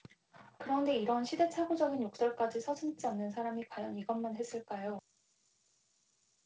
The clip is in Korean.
그런데 이런 시대착오적인 욕설까지 서슴지 않는 사람이 과연 이것만 했을까요